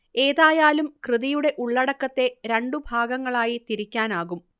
ഏതായാലും കൃതിയുടെ ഉള്ളടക്കത്തെ രണ്ടു ഭാഗങ്ങളായി തിരിക്കാനാകും